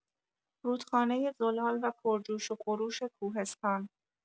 رودخانه زلال و پرجوش‌وخروش کوهستان